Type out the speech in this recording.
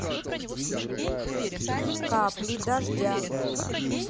капли дождя